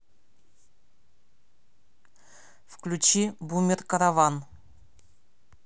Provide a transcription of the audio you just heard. включи бумер караван